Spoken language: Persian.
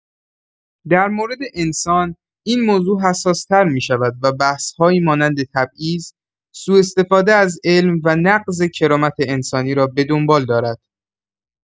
در مورد انسان، این موضوع حساس‌تر می‌شود و بحث‌هایی مانند تبعیض، سوءاستفاده از علم و نقض کرامت انسانی را به دنبال دارد.